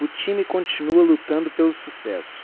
o time continua lutando pelo sucesso